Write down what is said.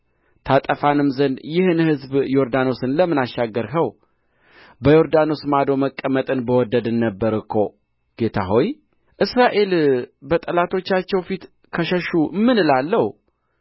ታጠፋንም ዘንድ ይህን ሕዝብ ዮርዳኖስን ለምን አሻገርኸው በዮርዳኖስ ማዶ መቀመጥን በወደድን ነበር እኮ ጌታ ሆይ እስራኤል በጠላቶቻቸው ፊት ከሸሹ ምን እላለሁ